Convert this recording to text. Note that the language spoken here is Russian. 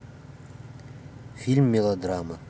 фильм мелодрама